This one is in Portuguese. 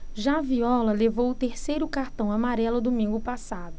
já viola levou o terceiro cartão amarelo domingo passado